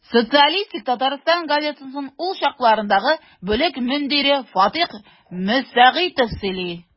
«социалистик татарстан» газетасының ул чаклардагы бүлек мөдире фатыйх мөсәгыйтов сөйли.